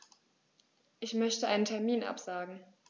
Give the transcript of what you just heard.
Ich möchte einen Termin absagen.